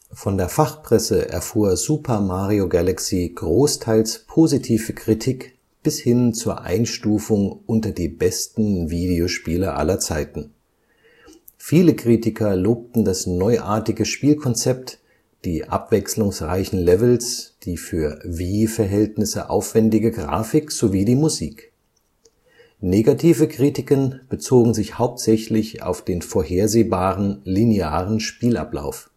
Von der Fachpresse erfuhr Super Mario Galaxy großteils positive Kritik bis hin zur Einstufung unter die besten Videospiele aller Zeiten. Viele Kritiker lobten das neuartige Spielkonzept, die abwechslungsreichen Levels, die für Wii-Verhältnisse aufwendige Grafik sowie die Musik. Negative Kritiken bezogen sich hauptsächlich auf den vorhersehbaren, linearen Spielablauf